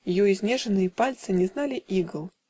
Ее изнеженные пальцы Не знали игл